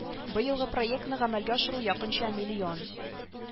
Быелгы проектны гамәлгә ашыру якынча - миллион